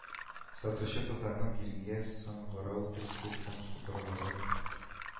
Сатучы кызларның бирегә сыңгырау, телсез һәм сукырларын